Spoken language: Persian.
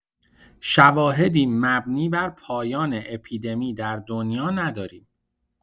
شواهدی مبنی بر پایان اپیدمی در دنیا نداریم.